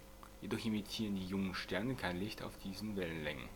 die jungen Sterne kein Licht auf diesen Wellenlängen